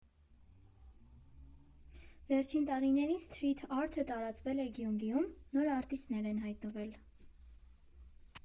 Վերջին տարիներին սթրիթ արթը տարածվել է Գյումրիում՝ նոր արտիստներ են հայտնվել։